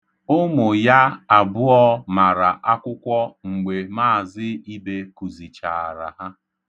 Ụmụ ya abụọ mara akwụkwọ mgbe Mz. Ibe kụzichaara ha.